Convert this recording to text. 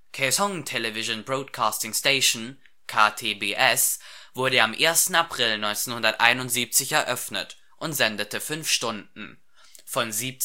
Kaesong Television Broadcasting Station (KTBS) wurde am 1. April 1971 eröffnet und sendete 5 Stunden, von